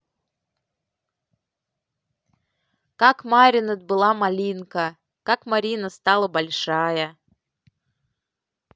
как маринет была малинка как марина стала большая